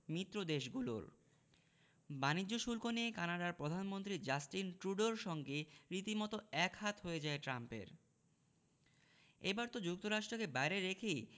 মিত্রদেশগুলোর বাণিজ্য শুল্ক নিয়ে কানাডার প্রধানমন্ত্রী জাস্টিন ট্রুডোর সঙ্গে রীতিমতো একহাত হয়ে যায় ট্রাম্পের এবার তো যুক্তরাষ্ট্রকে বাইরে রেখেই